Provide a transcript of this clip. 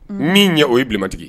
Min ye o ye bilabatigi